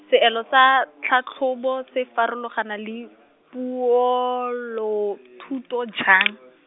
seelo sa, tlhatlhobo se farologana le, Poelothuto jang?